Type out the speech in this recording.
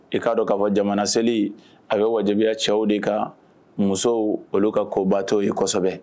I ka dɔn ka fɔ jamana selieli a bɛ wajibiya cɛw de kan. Nga musow olu ka koba to ye kɔsɛbɛ.